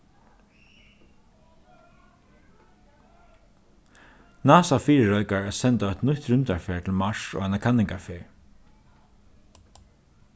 nasa fyrireikar at senda eitt nýtt rúmdarfar til mars á eina kanningarferð